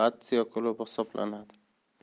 latsio klubi hisoblanadi